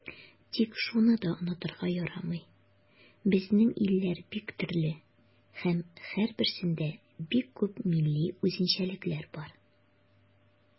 Тик шуны да онытырга ярамый, безнең илләр бик төрле һәм һәрберсендә бик күп милли үзенчәлекләр бар.